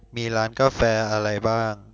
มีร้านกาแฟอะไรบ้าง